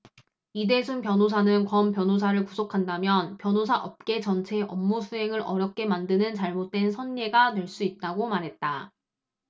이대순 변호사는 권 변호사를 구속한다면 변호사업계 전체의 업무수행을 어렵게 만드는 잘못된 선례가 될 수 있다고 말했다